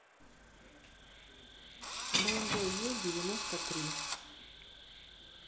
бмв е девяносто три